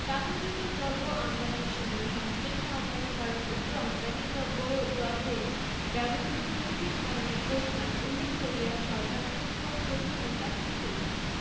তামাকজাত দ্রব্য আমদানির সময় সংশ্লিষ্ট আমদানিকারক উক্ত আমদানিতব্য দ্রব্যে ব্যবহৃত প্রতিটি উপাদানের পরিমাণ উল্লেখ করিয়া সরকারের নিকট প্রতিবেদন দাখিল করিবেন